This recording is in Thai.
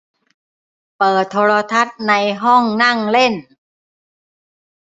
เปิดโทรทัศน์ในห้องนั่งเล่น